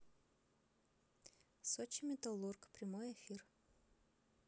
сочи металлург прямой эфир